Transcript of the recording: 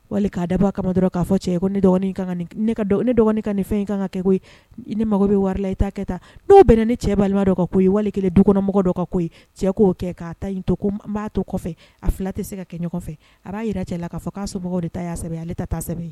Wali ka daba kama dɔrɔn k'a fɔ cɛ ye ne dɔgɔnin ne dɔgɔnini ka nin fɛn kan ka kɛ koyi ni mago bɛ warila i' kɛ ta dɔw bɛ ne cɛ balimadɔ ka koyi wali dukɔnɔmɔgɔ dɔ ka koyi cɛ ko kɛ' ta to b'a to kɔfɛ a fila tɛ se ka kɛ ɲɔgɔn fɛ a b'a jira cɛ la k'a k'a somɔgɔ de taa sɛ ale taa sɛbɛn